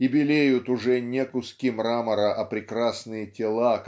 и белеют уже не куски мрамора а прекрасные тела